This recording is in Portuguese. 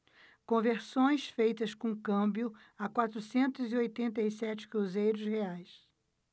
conversões feitas com câmbio a quatrocentos e oitenta e sete cruzeiros reais